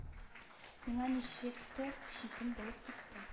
Миңа ничектер читен булып китте